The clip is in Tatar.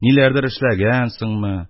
Ниләрдер эшләгәнсеңме,